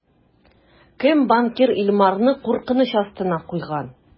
Кем банкир Илмарны куркыныч астына куйган?